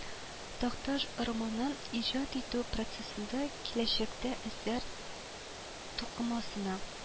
Такташ романын иҗат итү процессында, киләчәктә әсәр тукымасына